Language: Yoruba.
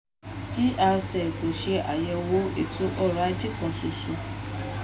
GRZ kò ṣe àyẹ̀wò ètò ọrọ̀-ajé kan ṣoṣo.